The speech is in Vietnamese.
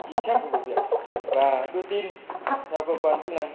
chính xác về vụ việc và đưa tin theo cơ quan chức năng